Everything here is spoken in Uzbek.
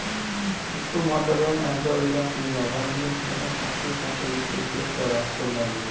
ushbu modda bilan ayblov e'lon qilingan va unga nisbatan shaxsiy kafillik ehtiyot chorasi qo'llanilgan